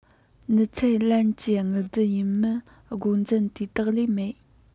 ནི ཚད ལེན གྱི དངུལ བསྡུ ཡི མིན སྒོ འཛིན དེ དག ལས མེད